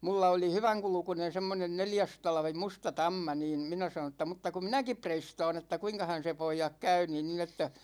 minulla oli hyvänkulkuinen semmoinen neljästalvi musta tamma niin minä sanoin että mutta kun minäkin reistaan että kuinkahan se pojat käy niin niin että